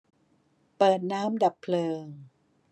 เปิดน้ำดับเพลิง